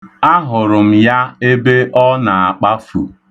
Ahụrụ m ya ebe ọ na-akpafu.